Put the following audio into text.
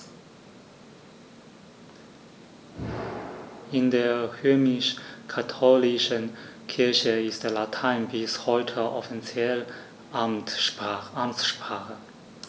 In der römisch-katholischen Kirche ist Latein bis heute offizielle Amtssprache.